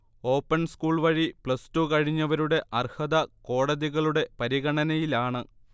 open സ്കൂൾവഴി plus two കഴിഞ്ഞവരുടെ അർഹത കോടതികളുടെ പരിഗണനയിലാണ്